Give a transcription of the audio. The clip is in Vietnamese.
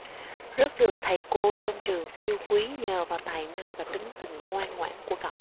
rất được thầy cô trong trường yêu quý nhờ vào tài năng và tính tình ngoan ngoãn của cậu